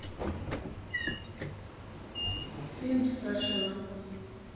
фильм страшила